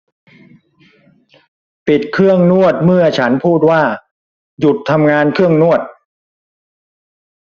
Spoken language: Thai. ปิดเครื่องนวดเมื่อฉันพูดว่าหยุดทำงานเครื่องนวด